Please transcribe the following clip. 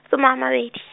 soma a mabedi.